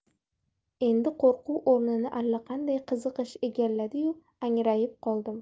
endi qo'rquv o'rnini allaqanday qiziqish egalladiyu angrayib qoldim